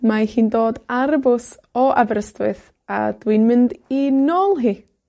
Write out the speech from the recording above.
Mae hi'n dod ar y bws o Aberystwyth, a dwi'n mynd i nôl hi.